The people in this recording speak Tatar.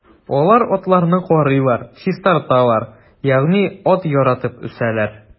Алар атларны карыйлар, чистарталар, ягъни ат яратып үсәләр.